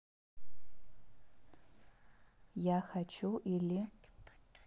я хочу или